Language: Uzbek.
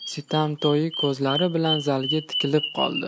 sitamto ko'zlari bilan zalga tikilib qoldi